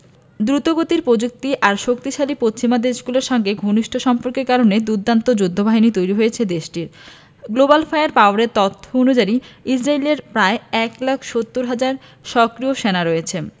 দ্রুতগতির প্রযুক্তি আর শক্তিশালী পশ্চিমা দেশগুলোর সঙ্গে ঘনিষ্ঠ সম্পর্কের কারণে দুর্দান্ত যোদ্ধাবাহিনী তৈরি হয়েছে দেশটির গ্লোবাল ফায়ার পাওয়ারের তথ্য অনুযায়ী ইসরায়েলের প্রায় ১ লাখ ৭০ হাজার সক্রিয় সেনা রয়েছে